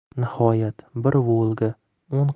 nihoyat bir volga o'n